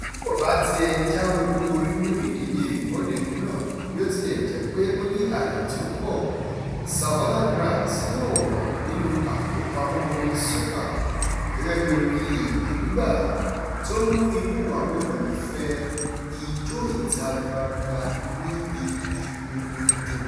Bí kò bá ti ẹ̀ jáwé olúborí nínú ìdíje Ìwọ́de Ojúnà (bí ó ti lẹ̀ jé pé ó ní àyè tí ó pọ̀!), "Savannah Grass" yóò wà nínú àkópamọ́ orin soca gẹ́gẹ́ bí orin ìgbà-dé-ìgbà tí ó mú inú àwọn olólùfẹ́ẹ Ijó ìta-gbangba ní ibi gbogbo dùn.